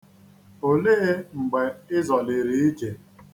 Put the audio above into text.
Olee mgbe ị zọliri ije?